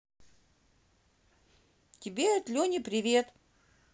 тебе от лени привет